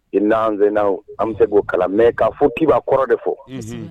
I n'an senna an bɛ se' kalamɛ ka fo k kibaba kɔrɔ de fɔ